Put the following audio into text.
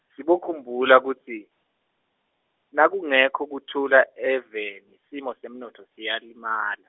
Sibokhumbula kutsi, nakungekho kutfula eveni, simo semnontfo siyalimala.